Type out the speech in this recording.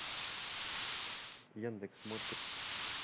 яндекс маркет